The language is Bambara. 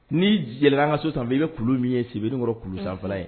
N'i yɛlɛla an ka so sanfɛ i bɛ kulu min ye sebenikɔrɔ kulu sanfɛ la in